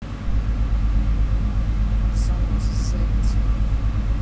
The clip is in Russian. занозы задница